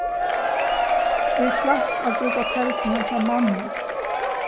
eg slapp at brúka telduna hjá mammu